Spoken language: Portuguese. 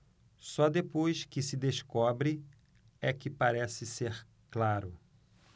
só depois que se descobre é que parece ser claro